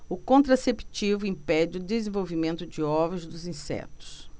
o contraceptivo impede o desenvolvimento de ovos dos insetos